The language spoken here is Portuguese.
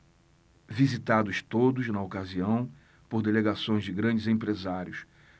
visitados todos na ocasião por delegações de grandes empresários